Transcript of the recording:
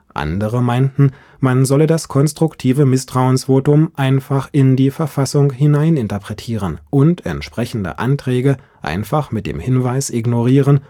Andere meinten, man solle das konstruktive Misstrauensvotum einfach in die Verfassung hineininterpretieren und entsprechende Anträge einfach mit der Hinweis ignorieren